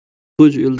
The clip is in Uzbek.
g'uj g'uj yulduzlar